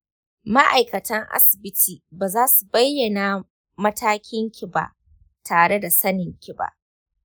ma'aikatan asibiti bazasu bayyana matakin ki ba tare da saninki ba.